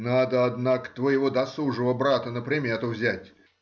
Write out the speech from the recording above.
надо, однако, твоего досужего брата на примету взять.